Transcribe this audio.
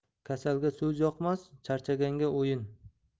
kasalga so'z yoqmas charchaganga o'yin